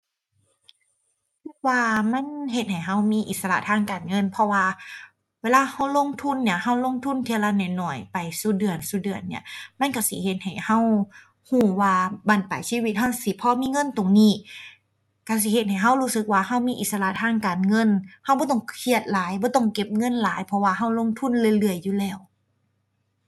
ว่ามันเฮ็ดให้เรามีอิสระทางการเงิน เพราะว่าเวลาเราลงทุนเนี่ย เราลงทุนเที่ยละน้อยน้อย ไปซุเดือน ซุเดือนเนี่ย มันเราสิเฮ็ดให้เราเราว่าบั้นปลายชีวิตเราสิพอมีเงินตรงนี้ เราสิเฮ็ดให้เรารู้สึกว่าเราสิมีอิสระทางการเงิน เราบ่ต้องเครียดหลาย บ่ต้องเก็บเงินหลายเพราะว่าเราลงทุนเรื่อยเรื่อยอยู่แล้ว